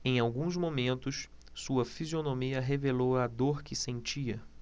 em alguns momentos sua fisionomia revelou a dor que sentia